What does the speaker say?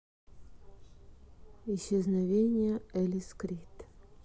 исчезновение элис крид